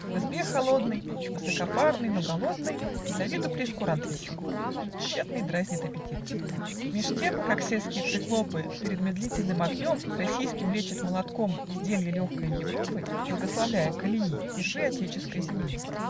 В избе холодной Высокопарный, но голодный Для виду прейскурант висит И тщетный дразнит аппетит, Меж тем как сельские циклопы Перед медлительным огнем Российским лечат молотком Изделье легкое Европы, Благословляя колеи И рвы отеческой земли.